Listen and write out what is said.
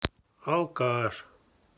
алкаш